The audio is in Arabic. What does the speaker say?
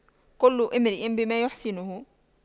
كل امرئ بما يحسنه